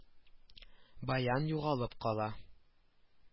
Баян югалып кала